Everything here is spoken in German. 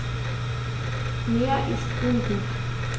Mir ist ungut.